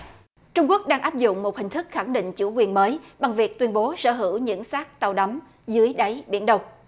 trung quốc đang áp dụng một hình thức khẳng định chủ quyền mới bằng việc tuyên bố sở hữu những xác tàu đắm dưới đáy biển đông